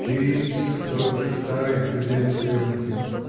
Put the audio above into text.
— Ты всё тот же старый студент, Леонтий!